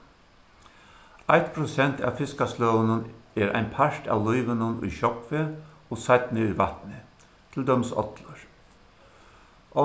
eitt prosent av fiskasløgunum er ein part av lívinum í sjógvi og seinni í vatni til dømis állur